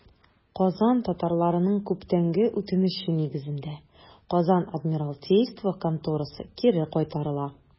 Казан татарларының күптәнге үтенече нигезендә, Казан адмиралтейство конторасы кире кайтарыла.